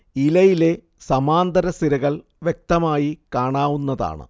ഇലയിലെ സമാന്തര സിരകൾ വ്യക്തമായി കാണാവുന്നതാണ്